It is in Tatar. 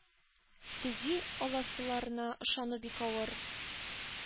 Төзи аласыларына ышану бик авыр.